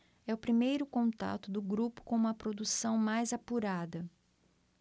é o primeiro contato do grupo com uma produção mais apurada